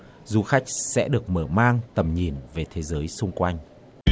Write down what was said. du khách sẽ được mở mang tầm nhìn về thế giới xung quanh